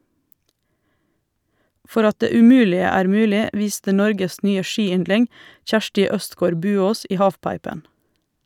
For at det umulige er mulig viste Norges nye skiyndling Kjersti Østgaard Buaas i halfpipen.